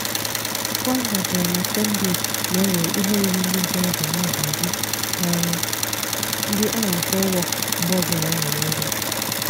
Kwanga dere na Kondesi na-ewe ihe ruru ndị ntorobịa mmadụ iri n'ọrụ, ndị ọ na-akwụ ụgwọ mgbe ọbụla o nwere ego.